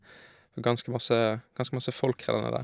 Var ganske masse ganske masse folk re der nede.